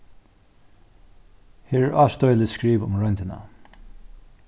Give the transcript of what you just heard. her er ástøðiligt skriv um royndina